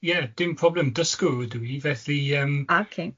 Ie, dim problem, dysgwr ydw i, felly yym... Ocê.